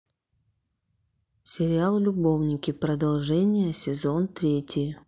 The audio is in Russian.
сериал любовники продолжение сезон третий